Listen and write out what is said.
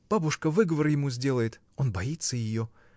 Бабушка выговор ему сделает: он боится ее.